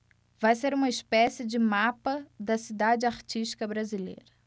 vai ser uma espécie de mapa da cidade artística brasileira